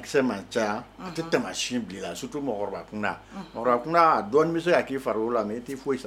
A caya tɛ tɛmɛ sin kun kun dɔnmuso' fari la tɛ foyi